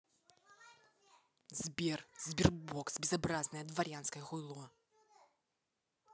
сбер sberbox безобразная дворянская хуйло